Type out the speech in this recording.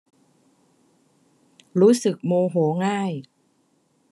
รู้สึกโมโหง่าย